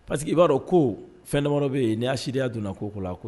Pa parce que i b'a dɔn ko fɛnda bɛ yen n'i'a sariyaya donna ko ko